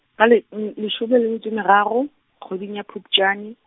ka le leshome le metso e meraro, kgweding ya Phupjane.